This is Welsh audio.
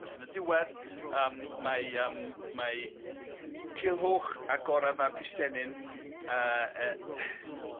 Felly yn y diwedd yym mae yym mae Culhwch a Gora fab Custennin yy yy